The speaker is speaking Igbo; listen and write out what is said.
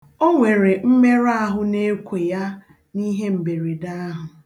O nwere mmerụ ahụ na ekwo ya na ihe mberede ahụ.